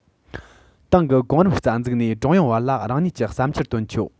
ཏང གི གོང རིམ རྩ འཛུགས ནས ཀྲུང དབྱང བར ལ རང ཉིད ཀྱི བསམ འཆར བཏོན ཆོག